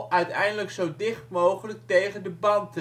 uiteindelijk zo dicht mogelijk tegen de band